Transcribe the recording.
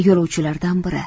yo'lovchilardan biri